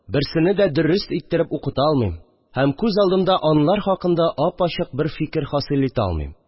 Берсене дә дөрест иттереп укыта алмыйм һәм күз алдымда алар хакында ап-ачык бер фикер хасил итә алмыйм